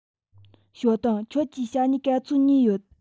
ཞའོ ཏུང ཁྱོད ཀྱིས ཞྭ སྨྱུག ག ཚོད ཉོས ཡོད